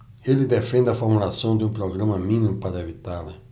ele defende a formulação de um programa mínimo para evitá-la